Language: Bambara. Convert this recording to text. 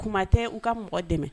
Kuma tɛ u ka mɔgɔ dɛmɛ